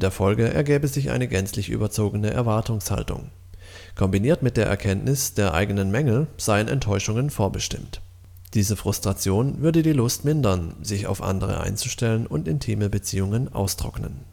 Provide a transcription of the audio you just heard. Folge ergäbe sich eine gänzlich überzogene Erwartungshaltung. Kombiniert mit der Erkenntnis der eigenen Mängel seien Enttäuschungen vorbestimmt. Diese Frustration würde die Lust mindern, sich auf andere einzustellen und intime Beziehungen austrocknen